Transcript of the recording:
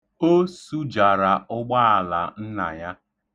O sujara ụgbaala nna ya.